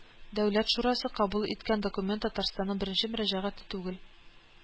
Дәүләт шурасы кабул иткән документ Татарстаннан беренче мөрәҗәгать түгел